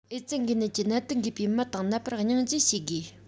ཨེ ཙི འགོས ནད ཀྱི ནད དུག འགོས པའི མི དང ནད པར སྙིང བརྗེ བྱེད དགོས